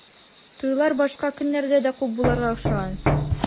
Туйлар башка көннәрдә дә күп булырга охшаган.